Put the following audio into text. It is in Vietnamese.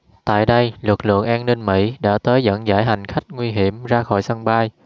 tại đây lực lượng an ninh mỹ đã tới dẫn giải hành khách nguy hiểm ra khỏi sân bay